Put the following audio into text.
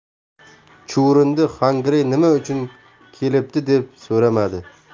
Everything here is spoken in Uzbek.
chuvrindi xongirey nima uchun kelibdi deb so'ramadi